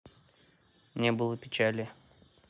не было печали